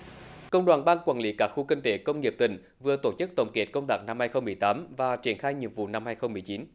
công đoàn ban quản lý các khu kinh tế công nghiệp tỉnh vừa tổ chức tổng kết công tác năm hai không mười tám và triển khai nhiệm vụ năm hai không mười chín